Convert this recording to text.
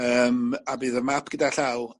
yym a bydd y map gyda llaw